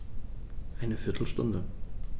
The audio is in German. Eine viertel Stunde